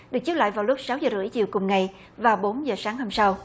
được chiếu lại vào lúc sáu giờ rưỡi chiều cùng ngày và bốn giờ sáng hôm sau